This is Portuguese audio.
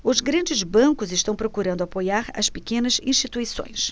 os grandes bancos estão procurando apoiar as pequenas instituições